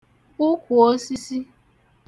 ukwùosisi